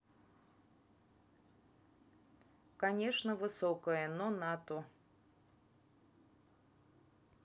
конечно высокая но нато